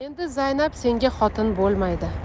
endi zaynab senga xotin bo'lmaydi